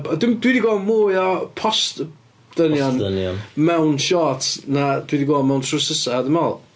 Dim- dwi 'di gweld mwy o post ddynion.... Post ddynion. ...Mewn siorts na dwi 'di gweld mewn trowsusau dwi'n meddwl.